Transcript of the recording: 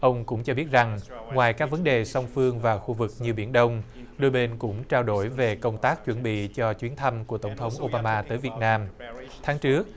ông cũng cho biết rằng ngoài các vấn đề song phương và khu vực như biển đông đôi bên cũng trao đổi về công tác chuẩn bị cho chuyến thăm của tổng thống ô ba ma tới việt nam tháng trước